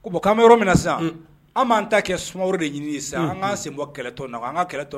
Ko bɔn kamalenmi yɔrɔ minna na sisan an b'an ta kɛ sumaworo de ɲini sisan anan sen bɔ kɛlɛtɔ na anan ka kɛlɛ